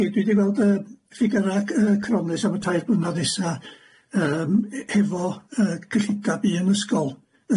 chi dwi 'di weld yy ffigyre yy cronus am y tair blynadd nesa yym e- hefo yy cyllideb un ysgol,